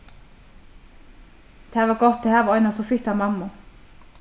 tað var gott at hava eina so fitta mammu